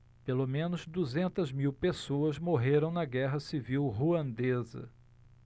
pelo menos duzentas mil pessoas morreram na guerra civil ruandesa